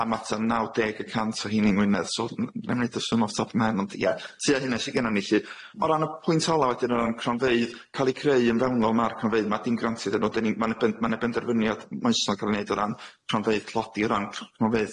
a ma ta naw deg y cant o hynny ngwynedd so n- na'm neud y sum off top man ond ie tua hynna sy gennon ni lly o ran y pwynt ola wedyn o ran cronfeydd ca'l i creu yn fewnol ma'r cronfeydd ma' dim grant iddyn nw dyn ni ma' na ben- ma' na benderfyniad moesol ca'l i neud o ran cronfeydd tlodi o ran cr- cronfeydd